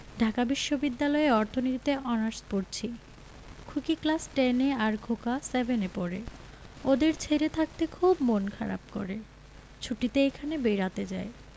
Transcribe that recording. ঢাকা বিশ্ববিদ্যালয়ে অর্থনীতিতে অনার্স পরছি খুকি ক্লাস টেন এ আর খোকা সেভেন এ পড়ে ওদের ছেড়ে থাকতে খুব মন খারাপ করে ছুটিতে এখানে বেড়াতে যাই